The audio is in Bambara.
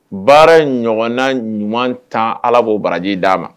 Baara in ɲɔgɔnna ɲuman 10 Ala b'o baraji d'a ma